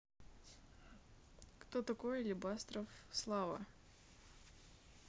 кто такой алебастров слава